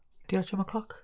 ydy otsh am y cloc?